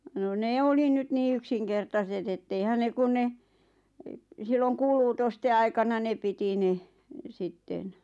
no ne oli nyt niin yksinkertaiset että eihän ne kun ne silloin kuulutusten aikana ne piti ne sitten